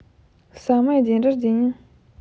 самая день рождения